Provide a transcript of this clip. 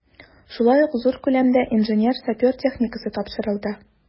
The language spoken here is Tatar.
Шулай ук зур күләмдә инженер-сапер техникасы тапшырылды.